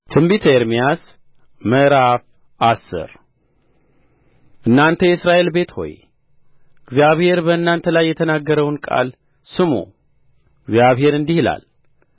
ትንቢተ ኤርምያስ ምዕራፍ አስር እናንተ የእስራኤል ቤት ሆይ እግዚአብሔር በእናንተ ላይ የተናገረውን ቃል ስሙ እግዚአብሔር እንዲህ ይላል